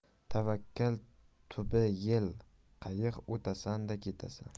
tavakkal tubi yel qayiq o'tasan da ketasan